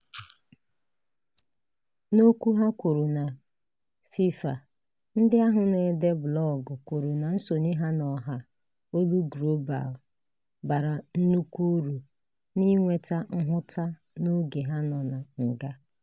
N'okwu ha kwuru na FIFA, ndị ahụ na-ede blọọgụ kwuru na nsonye ha n'ọha Global Voices bara nnukwu uru n'inweta nhụta n'oge ha nọ na nga.